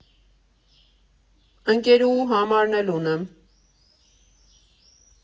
Ընկերուհու համարն էլ ունեմ։